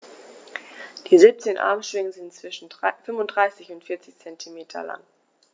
Die 17 Armschwingen sind zwischen 35 und 40 cm lang.